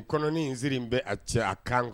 Kɔnɔn in z bɛ a cɛ a kan kan